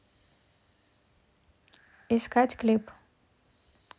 искать клип